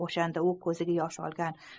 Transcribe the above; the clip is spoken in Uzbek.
o'shanda u ko'ziga yosh olgan